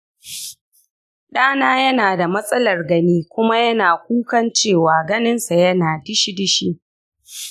ɗana yana da matsalar gani kuma yana kukan cewa ganinsa yana dishi-dishi.